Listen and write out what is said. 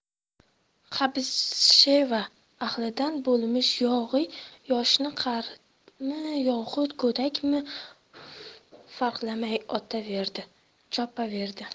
xabissheva ahlidan bo'lmish yog'iy yoshmi qarimi yoxud go'dakmi farqlamay otaverdi chopaverdi